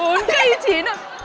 bốn cây chín à